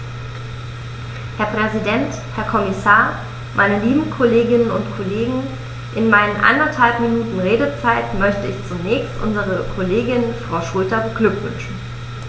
Herr Präsident, Herr Kommissar, meine lieben Kolleginnen und Kollegen, in meinen anderthalb Minuten Redezeit möchte ich zunächst unsere Kollegin Frau Schroedter beglückwünschen.